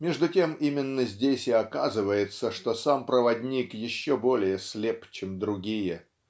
между тем именно здесь и оказывается, что сам проводник еще более слеп, чем другие.